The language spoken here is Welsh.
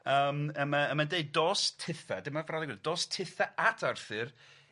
Yym a ma' a ma'n deud dos tithe dyma'r brawddeg yn- dos titha at Arthur